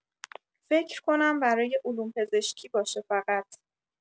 فکر کنم برای علوم‌پزشکی باشه فقط